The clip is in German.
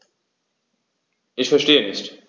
Ich verstehe nicht.